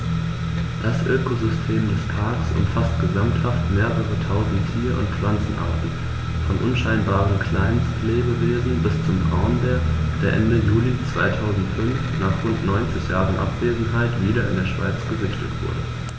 Das Ökosystem des Parks umfasst gesamthaft mehrere tausend Tier- und Pflanzenarten, von unscheinbaren Kleinstlebewesen bis zum Braunbär, der Ende Juli 2005, nach rund 90 Jahren Abwesenheit, wieder in der Schweiz gesichtet wurde.